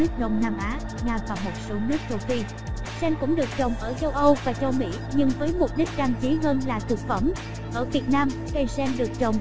các nước đông nam á nga và một số nước châu phi sen cũng được trồng ở châu âu và châu mỹ nhưng với mục đích trang trí hơn là thực phẩm ở việt nam